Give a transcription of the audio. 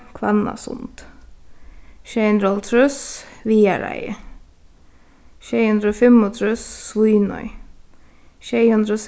hvannasund sjey hundrað og hálvtrýss viðareiði sjey hundrað og fimmogtrýss svínoy sjey hundrað og